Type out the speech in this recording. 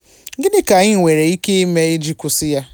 Gịnị ka anyị nwere ike ime iji kwụsị ya?